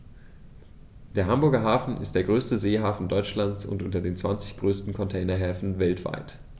Der Hamburger Hafen ist der größte Seehafen Deutschlands und unter den zwanzig größten Containerhäfen weltweit.